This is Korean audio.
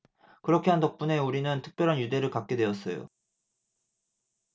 그렇게 한 덕분에 우리는 특별한 유대를 갖게 되었어요